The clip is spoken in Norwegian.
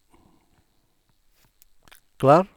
Klar.